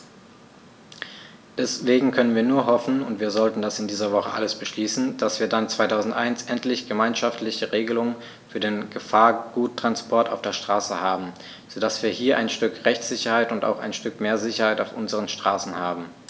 Deswegen können wir nur hoffen - und wir sollten das in dieser Woche alles beschließen -, dass wir dann 2001 endlich gemeinschaftliche Regelungen für den Gefahrguttransport auf der Straße haben, so dass wir hier ein Stück Rechtssicherheit und auch ein Stück mehr Sicherheit auf unseren Straßen haben.